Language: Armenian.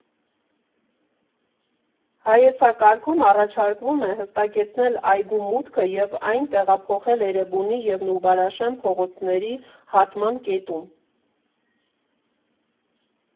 Հայեցակարգում առաջարկվում է հստակեցնել այգու մուտքը և այն տեղափոխել Էրեբունի և Նուբարաշեն փողոցների հատման կետում։